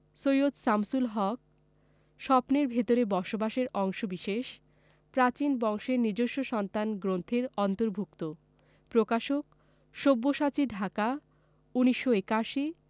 সৈয়দ শামসুল হক স্বপ্নের ভেতরে বসবাস এর অংশবিশেষ প্রাচীন বংশের নিজস্ব সন্তান গ্রন্থের অন্তর্ভুক্ত প্রকাশকঃ সব্যসাচী ঢাকা ১৯৮১